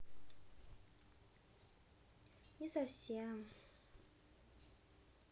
не совсем